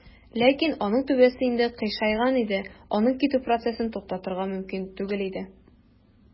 Ләкин аның түбәсе инде "кыйшайган" иде, аның китү процессын туктатырга мөмкин түгел иде.